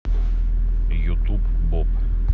ютуб боб